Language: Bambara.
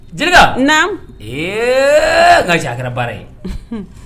Jerika na ɛɛ nka nci a kɛra baara ye